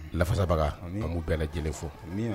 Lafasabaga annb'u bɛɛ lajɛlenele fɔ.